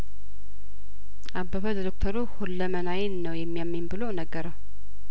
አበበ ለዶክተሩ ሁለመናዬን ነው የሚያመኝ ብሎ ነገረው